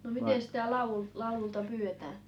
no mitenkäs sitä - laululta pyydetään